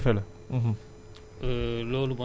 sa tool daal pour nga am rendement cent pour cent